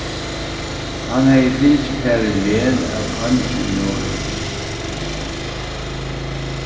hann hevði fingið tær í len av kongi í noregi